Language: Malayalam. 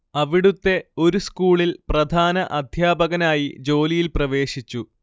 അവിടുത്തെ ഒരു സ്കൂളിൽ പ്രധാന അദ്ധ്യാപകനായി ജോലിയിൽ പ്രവേശിച്ചു